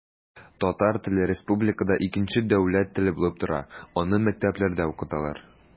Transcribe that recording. Татар теле республикада икенче дәүләт теле булып тора, аны мәктәпләрдә укыталар.